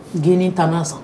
Geni tanna san